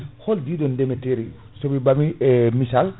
hol biɗo ndeemeteri somi ɓaami missal